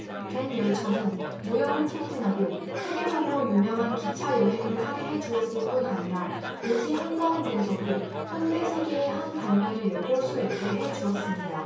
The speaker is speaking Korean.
갠 열차는 무역을 촉진하고 세계적으로 유명한 기차 여행을 하게 해 주었을 뿐 아니라 오지 한가운데에서도 현대 세계의 한 단면을 엿볼 수 있게 해 주었습니다